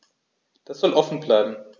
Das soll offen bleiben.